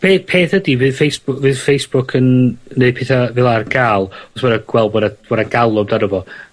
be' peth ydi fydd Facebook fydd Facebook yn, neu petha fela ar ga'l os ma' nw gwel' bod 'ne ma' 'na galw amdano fo.